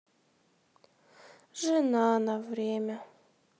жена на время